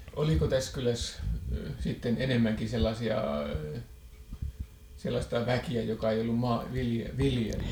oliko tässä kylässä sitten enemmänkin sellaisia sellaista väkeä joka ei ollut -- maanviljelijä